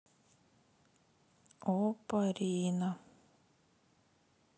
оппо рино